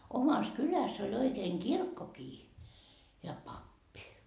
omassa kylässä oli oikein kirkkokin ja pappi